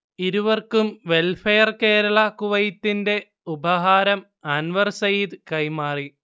ഇരുവർക്കും വെൽഫെയർ കേരള കുവൈത്തിന്റെ ഉപഹാരം അൻവർ സയീദ് കൈമാറി